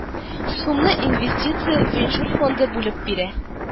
Сумны инвестиция-венчур фонды бүлеп бирә